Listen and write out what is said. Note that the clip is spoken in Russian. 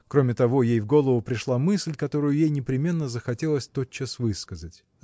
Кроме того, ей в голову пришла мысль, которую ей непременно захотелось тотчас высказать.